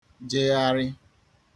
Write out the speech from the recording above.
jegharị